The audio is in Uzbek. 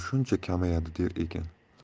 shuncha kamayadi der ekan